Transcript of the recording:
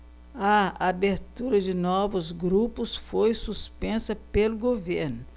a abertura de novos grupos foi suspensa pelo governo